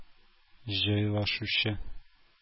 Җайлашучы